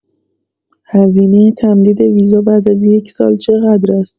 هزینه تمدید ویزا بعد از یکسال چقدر است؟